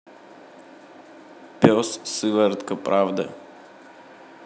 пес сыворотка правды